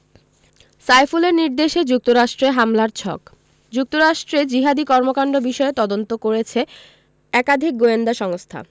সাইফুলের নির্দেশে যুক্তরাষ্ট্রে হামলার ছক যুক্তরাষ্ট্রে জিহাদি কর্মকাণ্ড বিষয়ে তদন্ত করেছে একাধিক গোয়েন্দা সংস্থা